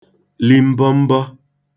li mbọmbo